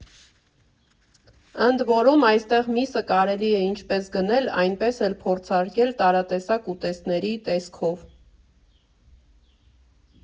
Ընդ որում, այստեղ միսը կարելի է ինչպես գնել, այնպես էլ փորձարկել տարատեսակ ուտեստների տեսքով։